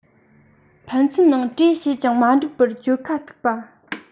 ཕན ཚུན ནང གྲོས བྱས ཀྱང མ འགྲིག པར གྱོད ཁ གཏུགས པ